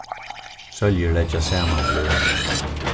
sóljur leggja saman bløð